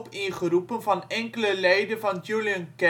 ingeroepen van enkele leden van Julien-K